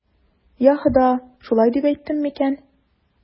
Йа Хода, шулай дип әйттем микән?